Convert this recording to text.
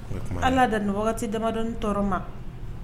Ala danɔgɔ damadɔn tɔɔrɔ ma